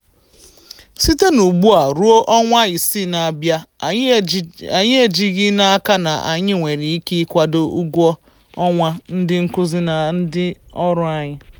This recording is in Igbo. Site ugbu a ruo ọnwa isii na-abịa, anyị ejighị n'aka na anyị nwere ike ịkwado ụgwọ ọnwa ndị nkuzi na ndị ọrụ anyị.